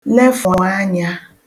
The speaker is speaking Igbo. lefụ̀ anyā